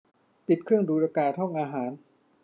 ปิดเครื่องดูดอากาศห้องอาหาร